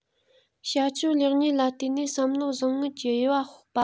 བྱ སྤྱོད ལེགས ཉེས ལ བརྟེན ནས བསམ བློ བཟང ངན གྱི དབྱེ བ དཔོག པ